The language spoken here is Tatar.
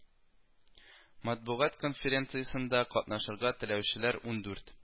Матбугат конференциясендә катнашырга теләүчеләр ундүрт